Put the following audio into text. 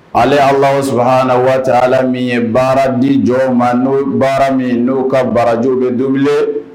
Ale Allahu subahana watala min ye baara di jɔnw ma n'o baara min n'o ka baraji n’o bɛ doublé